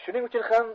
shuning uchun ham